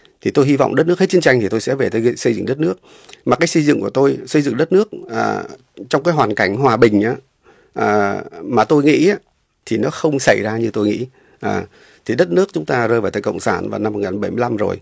thì tôi hy vọng đất nước hết chiến tranh thì tôi sẽ về thực hiện xây dựng đất nước mà cách xây dựng của tôi xây dựng đất nước à trong cái hoàn cảnh hòa bình nhé à mà tôi nghĩ á thì nó không xảy ra như tôi nghĩ à thì đất nước chúng ta rơi vào tay cộng sản và năm một ngàn bảy mươi lăm rồi